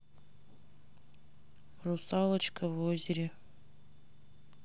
русалочка в озере